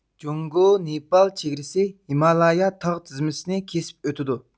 جۇڭگو نېپال چېگرىسى ھىمالايا تاغ تىزمىسىنى كېسىپ ئۆتىدۇ